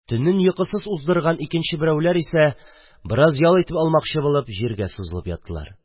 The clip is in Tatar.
Төнне йокысыз уздырган икенче берәүләр исә бераз ял итеп алмакчы булып җиргә сузылып яттылар.